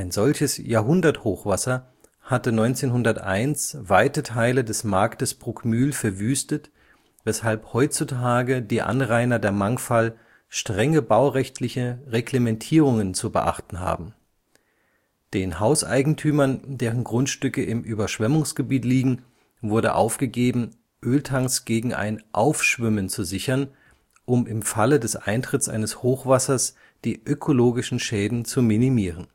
solches „ Jahrhunderthochwasser “hatte 1901 weite Teile des Marktes Bruckmühl verwüstet, weshalb heutzutage die Anrainer der Mangfall strenge baurechtliche Reglementierungen zu beachten haben. Den Hauseigentümern, deren Grundstücke im Überschwemmungsgebiet liegen, wurde aufgegeben, Öltanks gegen ein „ Aufschwimmen “zu sichern, um in Falle des Eintritts eines Hochwassers die ökologischen Schäden zu minimieren